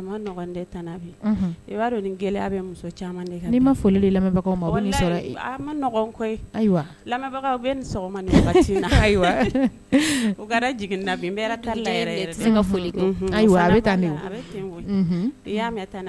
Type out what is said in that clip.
Ia gɛlɛya caman ma sɔgɔma i